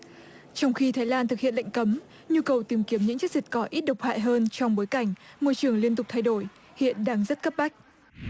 trong khi thái lan thực hiện lệnh cấm nhu cầu tìm kiếm những chiết dịch cỏ ít độc hại hơn trong bối cảnh môi trường liên tục thay đổi hiện đang rất cấp bách